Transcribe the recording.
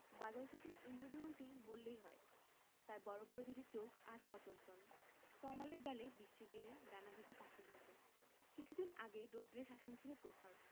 বাদলশেষের ঈন্দ্রধনুটি বললেই হয় তার বড় বড় দুটি চোখ আজ অচঞ্চল তমালের ডালে বৃষ্টির দিনে ডানা ভেজা পাখির মত কিছুদিন আগে রৌদ্রের শাসন ছিল প্রখর